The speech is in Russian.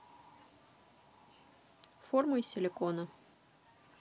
формы из силикона